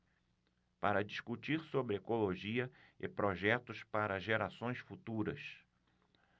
para discutir sobre ecologia e projetos para gerações futuras